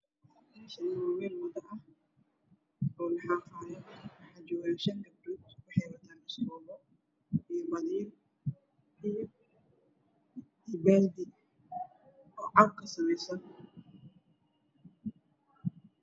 Meshan waa mel wada ah oo laxaaqayo waxa jooga shan gabdood waxeyw ataan iskoope iyo padeel paldi oo caag ka sameesan